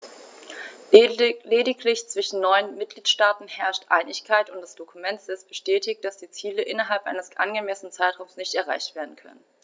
Lediglich zwischen neun Mitgliedsstaaten herrscht Einigkeit, und das Dokument selbst bestätigt, dass die Ziele innerhalb eines angemessenen Zeitraums nicht erreicht werden können.